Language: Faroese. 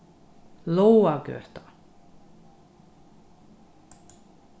lágagøta